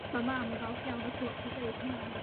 Sa mam yn falch iawn o clwad chdi'n deud hynna 'na...